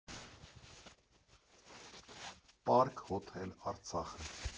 Պարկ հոթել Արցախը։